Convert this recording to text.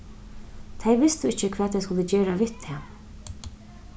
tey vistu ikki hvat tey skuldu gera við tað